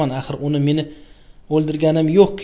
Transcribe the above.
axir uni meni uldirganim yuk ku